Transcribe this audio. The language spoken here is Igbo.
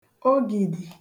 ogìdì